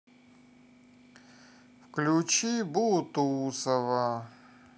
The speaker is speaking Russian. включи бутусова